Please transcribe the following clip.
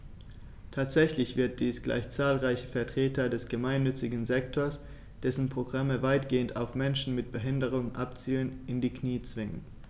Tatsächlich wird dies gleich zahlreiche Vertreter des gemeinnützigen Sektors - dessen Programme weitgehend auf Menschen mit Behinderung abzielen - in die Knie zwingen.